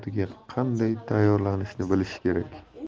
hayotiga qanday tayyorlanishni bilishi kerak